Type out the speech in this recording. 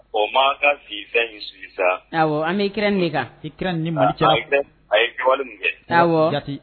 O man ka bi fɛn in sigi sa. awɔ an bi Ikɛrɛni ne kan . Ikɛrɛni ni Mali cɛ. A ye ko min kɛ.